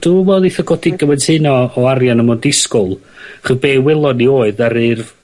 dwi'm yn credu neith o godi cymaint hynna o o arian a ma' o'n disgwl 'cho' be' welon ni oedd ddaru'r